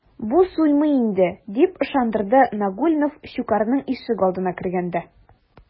Бу суймый инде, - дип ышандырды Нагульнов Щукарьның ишегалдына кергәндә.